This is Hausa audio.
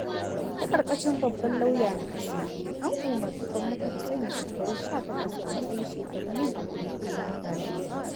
Ta ƙarƙashin babban lauya na ƙasa, an umarci gwamnati ta sanya shekaru 18 a matsayin shekarun yin aure ga mata da maza.